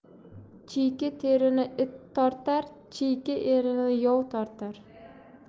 chiyki terini it tortar chiyki erni yov tortar